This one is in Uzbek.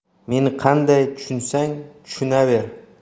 meni qanday tushunsang tushunaver